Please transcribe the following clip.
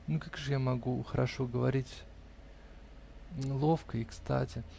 Ну, как же я могу хорошо говорить, ловко и кстати?